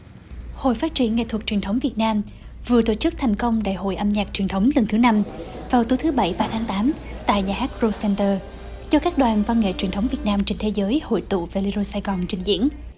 hội phát triển nghệ thuật truyền thống việt nam vừa tổ chức thành công đại hội âm nhạc truyền thống lần thứ năm vào tối thứ bảy và tháng tám tại nhà hát rô xen tơ cho các đoàn văn nghệ truyền thống việt nam trên thế giới hội tụ về va lê rô sài gòn trình diễn